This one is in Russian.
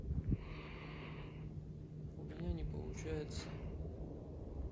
у меня не получается